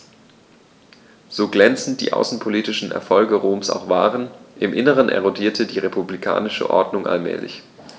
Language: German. So glänzend die außenpolitischen Erfolge Roms auch waren: Im Inneren erodierte die republikanische Ordnung allmählich.